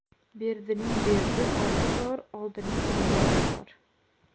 berdining berdi oti bor oldining oldi oti bor